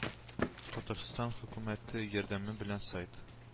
Татарстан хөкүмәте ярдәме белән сайт